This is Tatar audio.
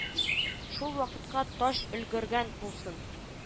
Шул вакытка таҗ өлгергән булсын